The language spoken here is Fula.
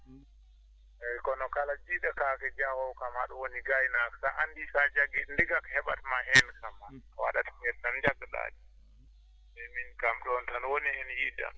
eeyi kono kala njiiɗo kaake jahoowo kam haɗum woni gaynaako so a anndi so a jaggi ndiga ko heɓataama heen kam a waɗat heen jaggaaa heen mais min kam ɗoon tan woni heen yiiɗe am